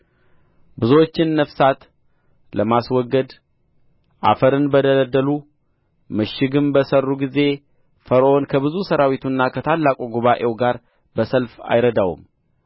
ብዙዎችን ነፍሳት ለማስወገድ አፈርን በደለደሉ ምሽግም በሠሩ ጊዜ ፈርዖን ከብዙ ሠራዊቱና ከታላቁ ጉባኤው ጋር በሰልፍ አይረዳውም